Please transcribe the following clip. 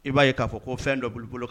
I b'a k'a fɔ ko fɛn dɔ bolo bolo